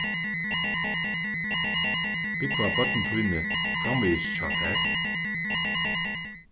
búgva børn tíni framvegis hjá tær